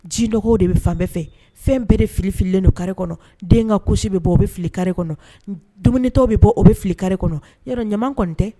Ji dɔgɔw de bɛ fan bɛɛ fɛ fɛn bɛ filifilen don kari kɔnɔ denka gosisi bɛ bɔ o bɛ fili kari kɔnɔ dumunitɔ bɛ bɔ o bɛ fili kari kɔnɔ ɲama kɔni tɛ